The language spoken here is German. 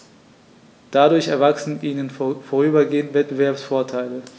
Dadurch erwachsen ihnen vorübergehend Wettbewerbsvorteile.